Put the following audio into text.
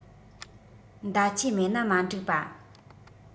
མདའ ཆས མེད ན མ འགྲིག པ